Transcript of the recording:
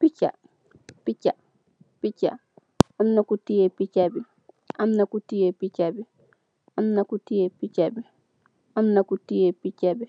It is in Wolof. Picca, picca, picca. Am na gu tiyee picca bi, am na ku tiyee picca bi, am na ku tiyee picca bi.